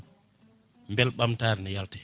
beel ɓamtare ne yalta hen